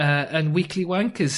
yy 'yn weekly wankers...